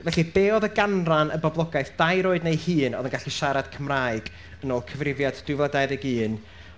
Felly be oedd y ganran y boblogaeth dair oed neu hŷn oedd yn gallu siarad Cymraeg yn ôl cyfrifiad dwy fil a dauddeg un?